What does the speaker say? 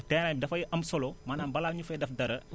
terrain bi dafay am solo maanaam balaa ñu fay def dara